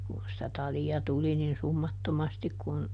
kun sitä talia tuli niin summattomasti kun